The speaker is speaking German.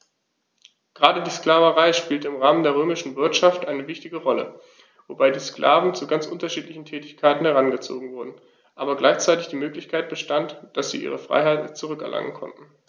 Gerade die Sklaverei spielte im Rahmen der römischen Wirtschaft eine wichtige Rolle, wobei die Sklaven zu ganz unterschiedlichen Tätigkeiten herangezogen wurden, aber gleichzeitig die Möglichkeit bestand, dass sie ihre Freiheit zurück erlangen konnten.